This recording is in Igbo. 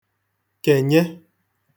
kènye